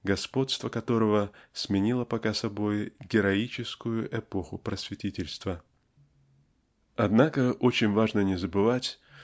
господство которого сменило пока собой героическую эпоху просветительства. Однако очень важно не забывать